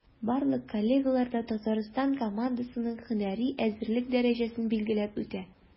Барлык коллегалар да Татарстан командасының һөнәри әзерлек дәрәҗәсен билгеләп үтә.